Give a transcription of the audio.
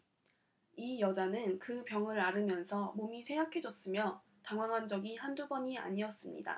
이 여자는 그 병을 앓으면서 몸이 쇠약해졌으며 당황한 적이 한두 번이 아니었습니다